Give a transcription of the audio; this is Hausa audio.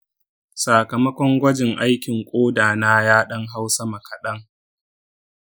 sakamakon gwajin aikin ƙoda na ya ɗan hau sama kaɗan.